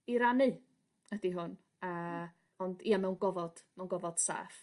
I rannu ydy hwn a ond ie mewn gofod mewn gofod saff.